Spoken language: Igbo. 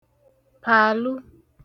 pàlu